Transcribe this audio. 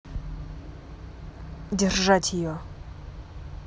держать ее